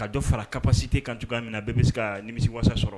Ka dɔ fara pasite kan cogoya minɛ bɛɛ bɛ se ka nimi wasa sɔrɔ